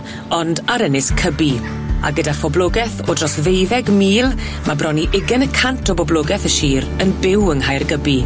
ond ar Ynys Cybi, a gyda phoblogeth o dros ddeuddeg mil, ma' bron i ugen y cant o boblogeth y sir yn byw yng Nghaergybi.